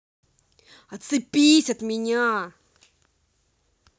отцепись от меня